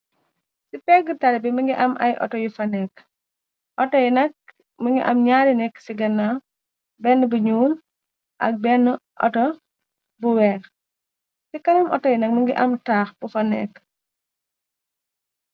Ci peggi tali bi mi ngi am ay auto yu fa nekk autoyi nak mi ngi am ñyaari nekk ci ganna benn bu ñyuul ak benn auto bu weex ci kanam autoyi nak mi ngi am taax bu fa nekk.